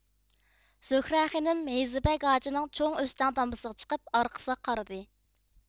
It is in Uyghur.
زۆھرە خېنىم ھېززىبەگ ھاجىنىڭ چوڭ ئۆستەڭ دامبىسىغا چىقىپ ئارقىسىغا قارىدى